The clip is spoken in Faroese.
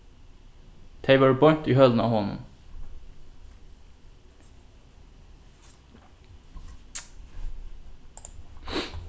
tey vóru beint í hølunum á honum